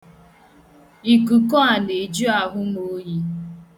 Ikuku a na-eju ahụ m oyi.